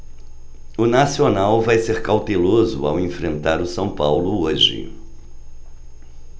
o nacional vai ser cauteloso ao enfrentar o são paulo hoje